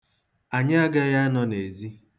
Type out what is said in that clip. Anyị agaghị anọ n'ezi.